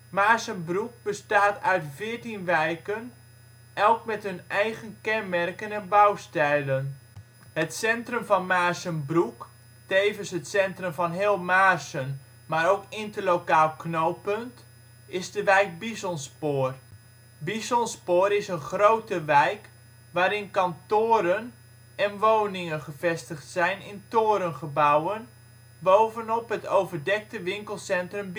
Maarssenbroek bestaat uit 14 wijken, elk met hun eigen kenmerken en bouwstijlen. Het centrum van Maarssenbroek, tevens het centrum van heel Maarssen maar ook interlokaal knooppunt is de wijk Bisonspoor. Bisonspoor is een grote wijk waarin kantoren en woningen gevestigd zijn in torengebouwen, bovenop het overdekte winkelcentrum